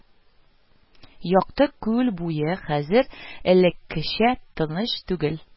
Якты күл буе хәзер элеккечә тыныч түгел